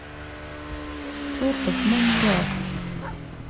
чертов маньяк